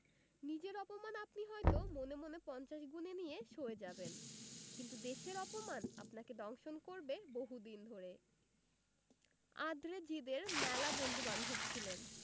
নিজের অপমান আপনি হয়ত মনে মনে পঞ্চাশ গুণে নিয়ে সয়ে যাবেন কিন্তু দেশের অপমান আপনাকে দংশন করবে বহুদিন ধরে আঁদ্রে জিদে র মেলা বন্ধুবান্ধব ছিলেন